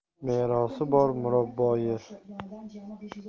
merosi bor murabbo yer